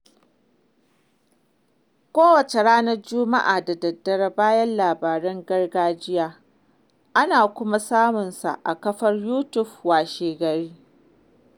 Kowace ranar Juma'a da daddare bayan labaran gargajiya, ana kuma samun sa a kafar Youtube washegari.